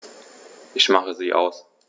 Ich mache sie aus.